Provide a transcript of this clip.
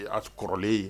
A kɔrɔlen ye